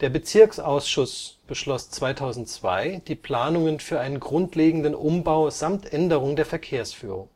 Bezirksausschuss beschloss 2002 die Planungen für einen grundlegenden Umbau samt Änderung der Verkehrsführung